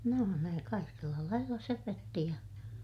no ne kaikella lailla söpötti ja